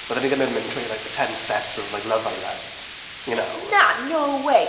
Byddwn i ddim yn mynd trwy like, the ten steps of like, Love Island, you know?... Na, no way.